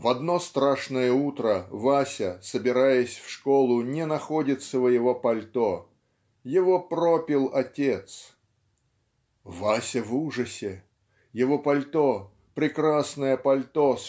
В одно страшное утро Вася, собираясь в школу, не находит своего пальто его пропил отец. "Вася в ужасе. Его пальто прекрасное пальто